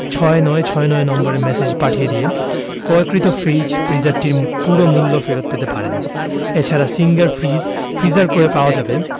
৬৯৬৯ নম্বরে ম্যাসেজ পাঠিয়ে দিয়ে ক্রয়কৃত ফ্রিজ ফ্রিজারটির পুরো মূল্য ফেরত পেতে পারেন এ ছাড়া সিঙ্গার ফ্রিজ ফ্রিজার ক্রয়ে পাওয়া যাবে